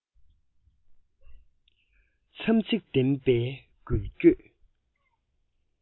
མཚམས ཚིགས ལྡན པའི འགུལ སྐྱོད